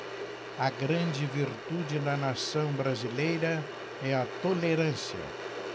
a grande virtude da nação brasileira é a tolerância